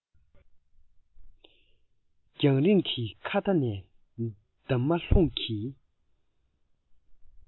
རྒྱང རིང གི མཁའ མཐའ ན འདབ མ རླུང གིས